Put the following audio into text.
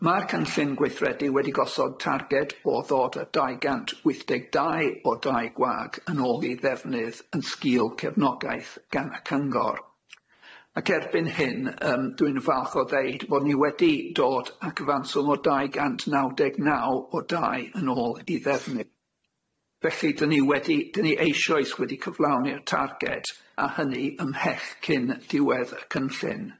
Ma'r cynllun gweithredu wedi gosod targed o ddod â dau gant wyth deg dau o dai gwag yn ôl i ddefnydd yn sgil cefnogaeth gan y Cyngor ac erbyn hyn yym dwi'n falch o ddeud fod ni wedi dod â cyfanswm o dau gant naw deg naw o dai yn ôl i ddefnydd felly 'dyn ni wedi 'dyn ni eisoes wedi cyflawni'r targed a hynny ymhell cyn ddiwedd y cynllun.